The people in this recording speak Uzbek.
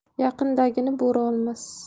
yaqindagini bo'ri olmas